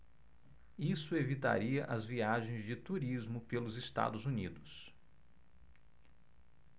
isso evitaria as viagens de turismo pelos estados unidos